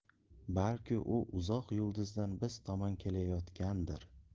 balki u uzoq yulduzdan biz tomonga kelayotgandir